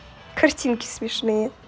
картинки смешные